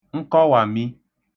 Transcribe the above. nkọwàmi